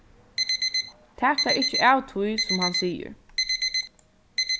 tak tær ikki av tí sum hann sigur